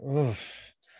Wff!